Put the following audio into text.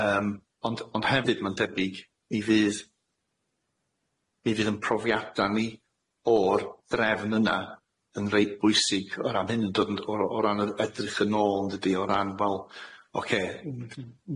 yym ond ond hefyd ma'n debyg mi fydd mi fydd yn profiada ni o'r drefn yna yn reit bwysig o ran hyn yn dod yn o ran yr edrych yn ôl yndydi o ran wel oce,